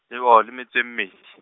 le , le metso e mmedi.